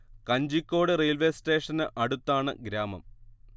Kanjikode railway സ്റ്റേഷന് അടുത്താണ് ഗ്രാമം